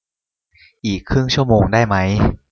อีกครึ่งชั่วโมงได้ไหม